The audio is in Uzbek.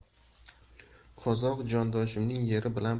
qozoq jondoshimning yeri bilan